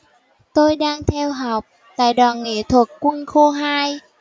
tôi đang theo học tại đoàn nghệ thuật quân khu hai